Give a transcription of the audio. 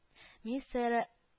Миссәрә